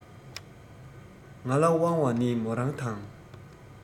ང ལ དབང བ ནི མོ རང དང